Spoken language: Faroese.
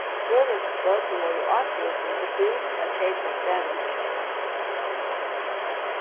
føroysk børn vóru ágrýtin og fús at keypa sparimerkir